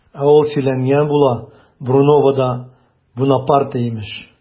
Ә ул сөйләнгән була, Бруновода Бунапарте имеш!